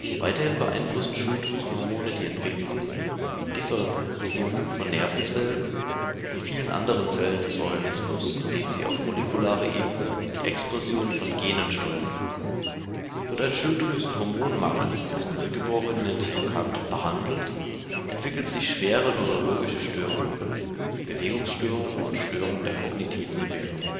Weiterhin beeinflussen Schilddrüsenhormone die Entwicklung (Differenzierung) von Nervenzellen und vielen anderen Zellen des Organismus, indem sie auf molekularer Ebene die Expression von Genen steuern. Wird ein Schilddrüsenhormonmangel des Neugeborenen nicht erkannt und behandelt, entwickeln sich schwere neurologische Störungen (Bewegungsstörungen und Störungen der kognitiven Entwicklung